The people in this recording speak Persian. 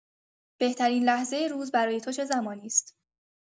بهترین لحظه روز برای تو چه زمانی است؟